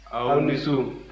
aw ni su